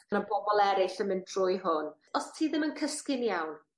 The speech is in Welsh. ma' pobol eryll yn mynd trwy hwn. Os ti ddim yn cysgu'n iawn